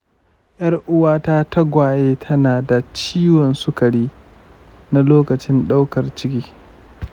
yar uwata tagwaye tana da ciwon sukari na lokacin daukar ciki.